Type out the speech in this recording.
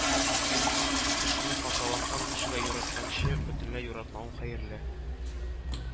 Төшне хаталанган кешегә юратканчы бөтенләй юратмавың хәерле